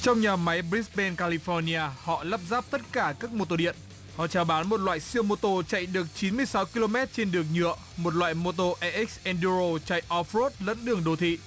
trong nhà máy bích ben ca li phót ni a họ lắp ráp tất cả các mô tơ điện họ chào bán một loại siêu mô tô chạy được chín mươi sáu ki lô mét trên đường nhựa một loại mô tô e ích en nơ rô chạy ọp rốt lẫn đường đô thị